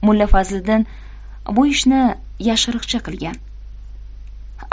mulla fazliddin bu ishni yashiriqcha qilgan